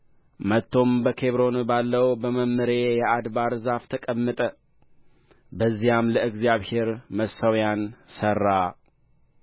መጥቶም በኬብሮን ባለው በመምሬ የአድባር ዛፍ ተቀመጠ በዚያም ለእግዚአብሔር መሠውያን ሠራ